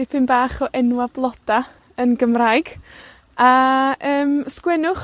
dipyn bach o enwa' bloda yn Gymraeg. A, yym, sgwennwch